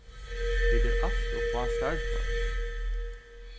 vit eru alt ov fá starvsfólk